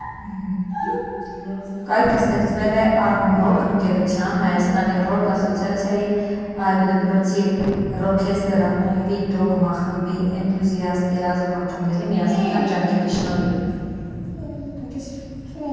Կայքը ստեղծվել է «ԱրմՌոք» ընկերության, Հայաստանի «Ռոք ասոցիացիայի», «Այբ» դպրոցի «Ռոքեստր» ակումբի, «Դոգմա» խմբի էնտուզիաստ֊երազող անդամների միասնական ջանքերի շնորհիվ։